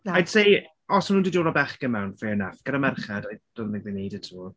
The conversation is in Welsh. I'd say os 'sen nhw 'di dod a bechgyn mewn fair enough gyda merched I didn't think they needed to.